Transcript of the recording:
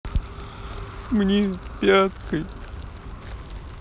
мне пяткой